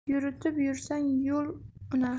yo'rtib yursang yo'l unar